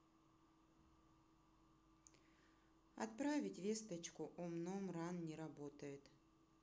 отправить весточку ом ном ран не работает